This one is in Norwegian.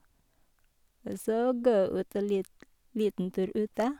Og så gå ut en litl liten tur ute.